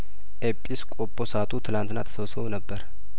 ኤጲስ ቆጶሳቱ ትላንትና ተሰብስበው ነበር